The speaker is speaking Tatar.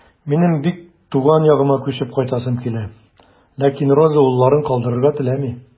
Минем бик туган ягыма күчеп кайтасым килә, ләкин Роза улларын калдырырга теләми.